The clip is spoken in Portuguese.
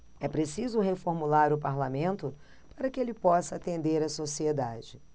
é preciso reformular o parlamento para que ele possa atender a sociedade